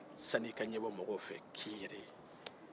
sann'i ka ɲɛbɔ mɔgɔw fɛ k'i yɛrɛ